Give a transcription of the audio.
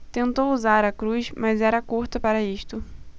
tentou usar a cruz mas era curta para isto